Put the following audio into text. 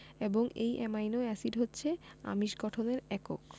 এবং এই amino acid হচ্ছে আমিষ গঠনের একক